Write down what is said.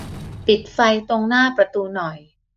ปิดไฟตรงหน้าประตูหน่อย